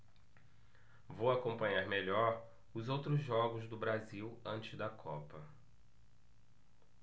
vou acompanhar melhor os outros jogos do brasil antes da copa